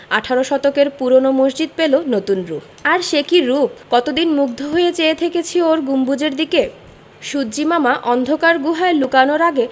আঠারো শতকের পুরোনো মসজিদ পেলো নতুন রুপ আর সে কি রুপ কতদিন মুগ্ধ হয়ে চেয়ে থেকেছি ওর গম্বুজের দিকে সূর্য্যিমামা অন্ধকার গুহায় লুকানোর আগে